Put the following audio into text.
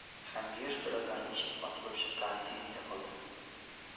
Һәм Биюш бераздан ничек атылып чыкканын сизми дә калды